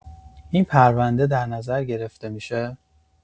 این پرونده در نظر گرفته می‌شه؟